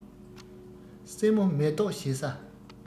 སྲས མོ མེ ཏོག བཞད ས